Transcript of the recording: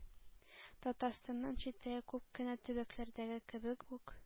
Татарстаннан читтәге күп кенә төбәкләрдәге кебек үк,